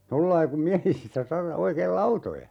tuolla lailla kun miehisissä - oikein lautoja